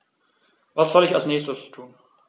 Was soll ich als Nächstes tun?